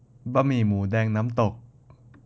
บะหมี่หมููแดงน้ำตก